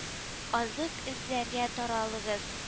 — азык эзләргә таралыгыз